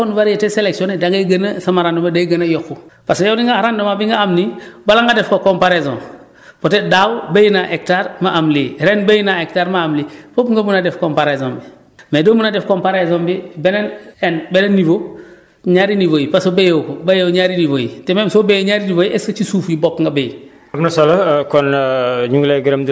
donc soo amee rendement bu baax nga xam ne nag su ma defoon variété selectionnée da ngay gën a sama rendement day gën a yokku parce yow da ngaa rendement bi nga am nii wala nga def ko comparaison peut être daaw béy naa hectare ma am lii ren béy naa hectare ma am lii foog nga mën a def comparaison bi mais mën a def comparaison bi beneen en beneen niveau ñaari niveau yi parce que béyoo ko béyoo ñaari niveau yi te même soo béyee ñaari niveau yi est ce que ci suuf yu bokk nga béy